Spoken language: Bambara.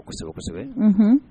Kosɛbɛsɛbɛ